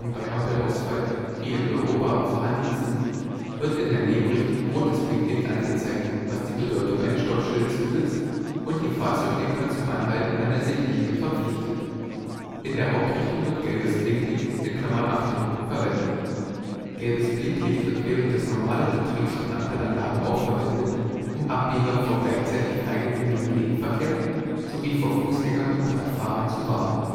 bei Ampelausfall wie in Europa vorhanden sind, wird in der Nebenrichtung rotes Blinklicht angezeigt, was die Bedeutung eines Stoppschildes besitzt und die Fahrzeuglenker zum Anhalten an der Sichtlinie verpflichtet. In der Hauptrichtung wird gelbes Blinklicht („ Achtung “) verwendet. Gelbes Blinklicht wird während des normalen Betriebs von Ampelanlagen auch verwendet, um Abbieger vor gleichzeitig freigegebenem Gegenverkehr sowie vor Fußgängern und Radfahrern zu warnen